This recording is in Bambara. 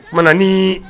O tuma ni